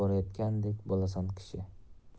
borayotgandek bo'lasan kishi